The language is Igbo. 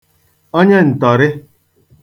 onyeǹtọ̀(rị)